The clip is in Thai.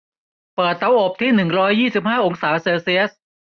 เปิดเตาอบที่หนึ่งร้อยยี่สิบห้าองศาเซลเซียส